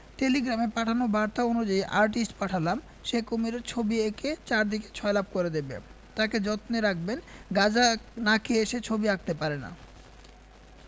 টেলিগ্রামে পাঠানো বারতা অনুযায়ী আর্টিস্ট পাঠালাম সে কুমীরের ছবি ঐকে চারদিকে ছয়লাপ করে দেবে তাকে যত্নে রাখবেন গাজা না খেয়ে সে ছবি আঁকতে পারে না